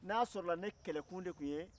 n'a sɔrɔ la ne kɛlɛ kun de tun ye